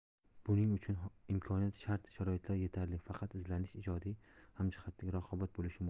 buning uchun imkoniyat shart sharoitlar yetarli faqat izlanish ijodiy hamjihatlik raqobat bo'lishi muhim